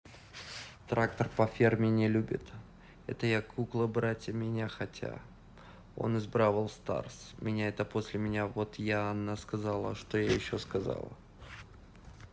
трактор по форме не любит это я кукла братья меня хотя он из brawl stars меня что после меня вот я анна знала что еще сказала